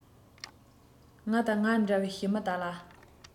ང དང ང འདྲ བའི ཞི མི དག ལ